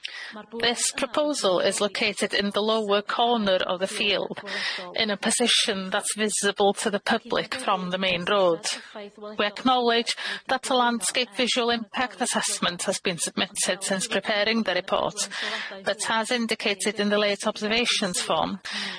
This proposal is located in the lower corner of the field in a position that's visible to the public from the main road. We acknowledge that a landscape visual impact assessment has been submitted since preparing the report but as indicated in the late observations form,